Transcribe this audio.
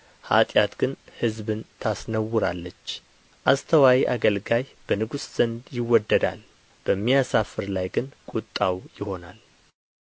ኃጢአት ግን ሕዝብን ታስነውራለች አስተዋይ አገልጋይ በንጉሥ ዘንድ ይወደዳል በሚያሳፍር ላይ ግን ቍጣው ይሆናል